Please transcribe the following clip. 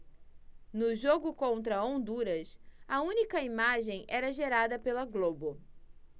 no jogo contra honduras a única imagem era gerada pela globo